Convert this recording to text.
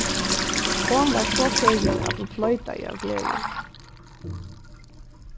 hon var so fegin at hon floytaði av gleði